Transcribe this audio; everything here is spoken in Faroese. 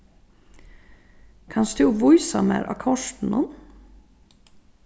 kanst tú vísa mær á kortinum